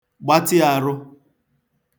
gbatị ārụ̄